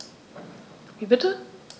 Wie bitte?